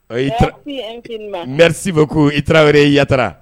Ɔ i ta n np nbarisibo ko i tarawelere yatara